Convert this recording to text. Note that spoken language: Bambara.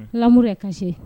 Lamuru ye ka se